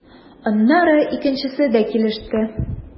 Аннары икенчесе дә килеште.